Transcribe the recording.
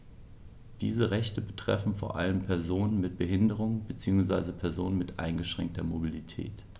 Diese Rechte betreffen vor allem Personen mit Behinderung beziehungsweise Personen mit eingeschränkter Mobilität.